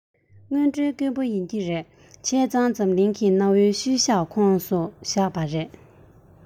དངོས འབྲེལ དཀོན པོ ཡིན གྱི རེད བྱས ཙང འཛམ གླིང གི གནའ བོའི ཤུལ བཞག ཁོངས སུ བཞག པ རེད